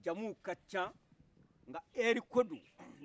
jamu ka can nga hɛri kodo